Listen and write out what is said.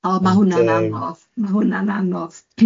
O, ma' hwnna'n anodd, ma' hwnna'n anodd.